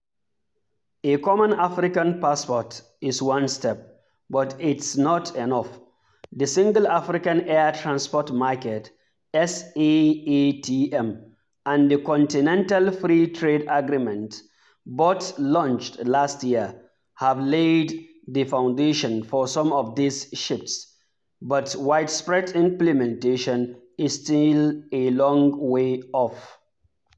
A common African passport is one step — but it's not enough. The Single African Air Transport market (SAATM), and the Continental Free Trade Agreement, both launched last year, have laid the foundation for some of these shifts, but widespread implementation is still a long way off.